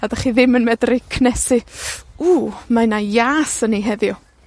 A 'dych chi ddim yn medru cnesu. Ww mae 'na ias yn 'i heddiw.